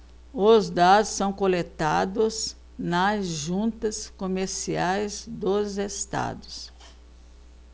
os dados são coletados nas juntas comerciais dos estados